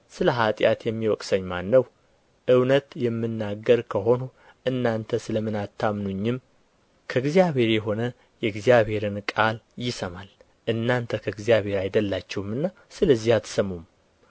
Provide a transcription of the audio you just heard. እውነት የምናገር ከሆንሁ እናንተ ስለ ምን አታምኑኝም ከእግዚአብሔር የሆነ የእግዚአብሔርን ቃል ይሰማል እናንተ ከእግዚአብሔር አይደላችሁምና ስለዚህ አትሰሙም